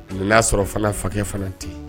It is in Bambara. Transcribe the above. N ya sɔrɔ fana fakɛ fana ten